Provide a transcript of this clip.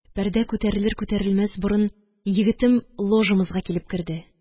Пәрдә күтәрелер-күтәрелмәс борын егетем ложамызга килеп керде.